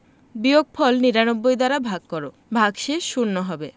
বিয়োগফল ৯৯ দ্বারা ভাগ কর ভাগশেষ শূন্য হবে